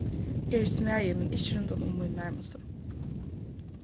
eg eri smæðin men ikki rundan um míni nærmastu